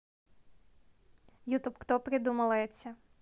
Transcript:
youtube кто придумал эти